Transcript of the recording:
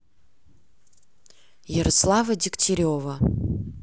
ярослава дегтярева